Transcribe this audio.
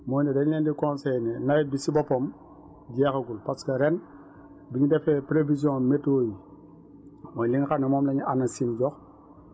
mooy ne dañ leen diconseiller ne nawet bi si boppam jeexagul parce que ren biñ defee prévision météo yi mooy li nga xam ne moom la ñu Anacim jox